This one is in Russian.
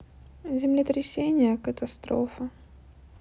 землетрясение катастрофа